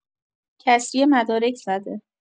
کسری مدارک زده